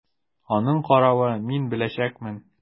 Аның каравы, мин беләчәкмен!